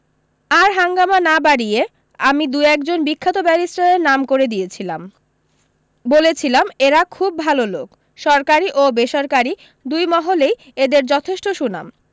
আর হাঙ্গামা না বাড়িয়ে আমি দু একজন বিখ্যাত ব্যারিষ্টারের নাম করে দিয়েছিলাম বলেছিলাম এরা খুব ভালো লোক সরকারী ও বেসরকারি দুই মহলেই এদের যথেষ্ট সুনাম